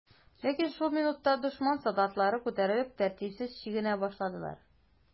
Ләкин шул минутта дошман солдатлары күтәрелеп, тәртипсез чигенә башладылар.